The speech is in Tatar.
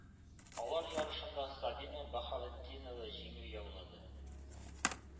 Алар ярышында сабина баһаветдинова җиңү яулады,